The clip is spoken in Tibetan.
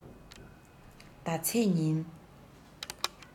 ཟླ ཚེས ཉིན